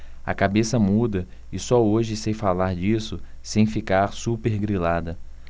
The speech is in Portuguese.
a cabeça muda e só hoje sei falar disso sem ficar supergrilada